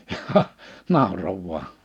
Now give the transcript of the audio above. jaaha nauroi vain